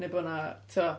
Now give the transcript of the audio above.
Neu bod 'na, tibod...